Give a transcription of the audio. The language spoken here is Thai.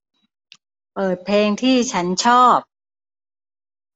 เปิดเพลงที่ฉันชอบ